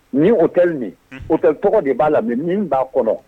Ni o kɛlen o tɛ tɔgɔ de b'a lam min b'a kɔrɔ